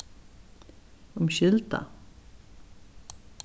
umskylda